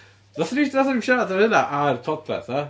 wnaethon ni wnaethon ni'm siarad am hynna ar Podpeth naddo?